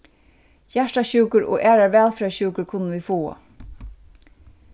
hjartasjúkur og aðrar vælferðarsjúkur kunnu vit fáa